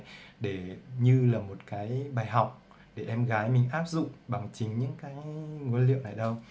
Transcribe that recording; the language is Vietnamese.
để em gái áp dụng bằng chính những bài học sơn dạy